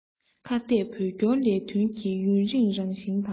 ཁ གཏད བོད སྐྱོར ལས དོན གྱི ཡུན རིང རང བཞིན དང